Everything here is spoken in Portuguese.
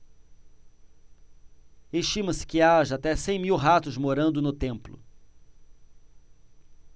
estima-se que haja até cem mil ratos morando no templo